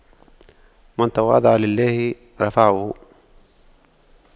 من تواضع لله رفعه